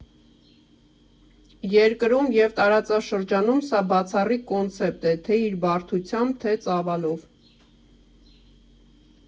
Երկրում և տարածաշրջանում սա բացառիկ կոնցեպտ է թե՛ իր բարդությամբ, թե՛ ծավալով։